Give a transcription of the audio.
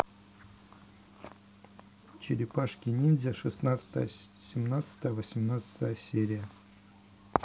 черепашки ниндзя шестнадцатая семнадцатая восемнадцатая серия